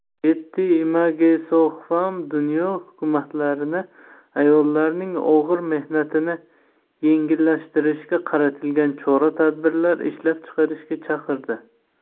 getty imagesoxfam dunyo hukumatlarini ayollarning og'ir mehnatini yengilashtirishga qaratilgan chora tadbirlar ishlab chiqarishga chaqirdi